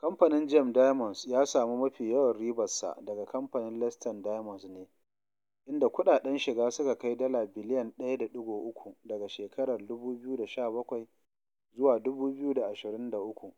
Kamfanin GEM Diamonds ya samu mafi yawan ribarsa daga kamfanin Letšeng Diamonds ne, inda kuɗaɗen shiga suka kai dala biliyan 1.3 daga shekarar 2017 zuwa 2023